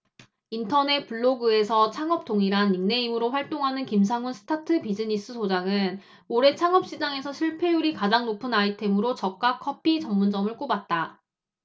인터넷 블로그에서창업통이란 닉네임으로 활동하는 김상훈 스타트비즈니스 소장은 올해 창업시장에서 실패율이 가장 높은 아이템으로 저가 커피 전문점을 꼽았다